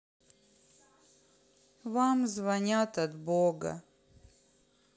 вам звонят от бога